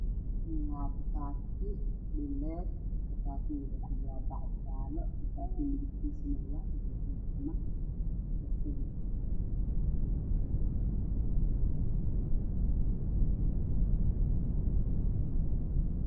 Waa bataati dhuleed iyo bataati digireed waxay ku jiraaan bac jaalo bataatiga midabkiisu waa basali